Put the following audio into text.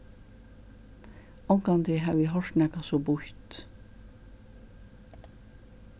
ongantíð havi eg hoyrt nakað so býtt